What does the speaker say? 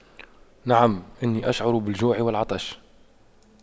نعم إني أشعر بالجوع والعطش